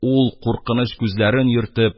Ул, куркыныч күзләрен йөртеп,